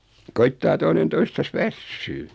koettaa toinen toistansa väsyä